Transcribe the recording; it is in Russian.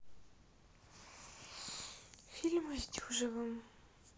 фильмы с дюжевым